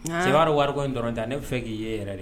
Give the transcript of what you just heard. Seri wari ko in dɔrɔn ta ne fɛ k'i ye yɛrɛ dɛ